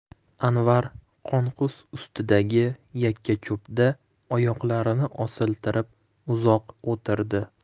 anvar qonqus ustidagi yakkacho'pda oyoqlarini osiltirib uzoq o'tirdi